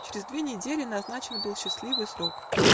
Чрез две недели Назначен был счастливый срок.